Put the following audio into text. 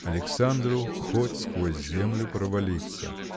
Александру хоть сквозь землю провалиться.